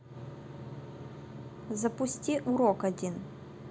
запусти урок один